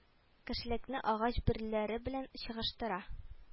Кешелекне агач бөреләре белән чагыштыра